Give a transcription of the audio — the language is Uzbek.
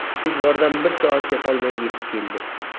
tez yordam bir soatga qolmay yetib keldi